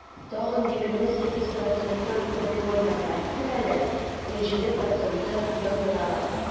Тагын 28 процентын полигоннарга китерәләр, 17 процентын - яндыралар.